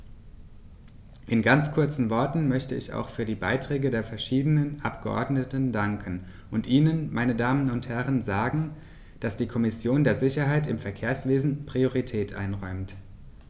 In ganz kurzen Worten möchte ich auch für die Beiträge der verschiedenen Abgeordneten danken und Ihnen, meine Damen und Herren, sagen, dass die Kommission der Sicherheit im Verkehrswesen Priorität einräumt.